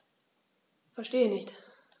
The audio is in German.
Verstehe nicht.